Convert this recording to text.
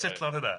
Settlo ar hynna.